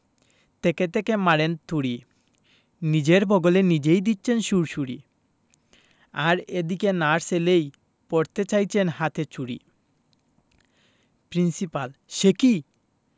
থেকে থেকে মারেন তুড়ি নিজের বগলে নিজেই দিচ্ছেন সুড়সুড়ি আর এদিকে নার্স এলেই পরতে চাইছেন হাতে চুড়ি প্রিন্সিপাল সে কি